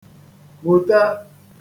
gbùte